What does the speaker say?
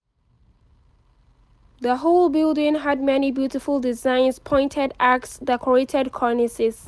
The whole building had many beautiful designs — pointed arches, decorated cornices.